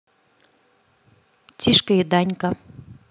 тишка и данька